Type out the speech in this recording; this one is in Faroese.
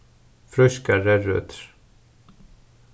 frískar reyðrøtur